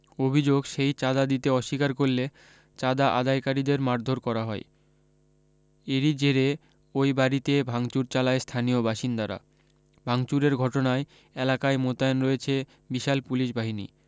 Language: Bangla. অভি্যোগ সেই চাঁদা দিতে অস্বীকার করলে চাঁদা আদায়কারীদের মারধর করা হয় এরি জেরে ওই বাড়ীতে ভাঙচুর চালায় স্থানীয় বাসিন্দারা ভাঙচুরের ঘটনায় এলাকায় মোতায়েন রয়েছে বিশাল পুলিশ বাহিনী